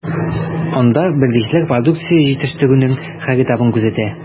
Анда белгечләр продукция җитештерүнең һәр этабын күзәтә.